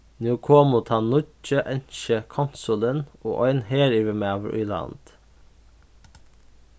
nú komu tann nýggi enski konsulin og ein heryvirmaður í land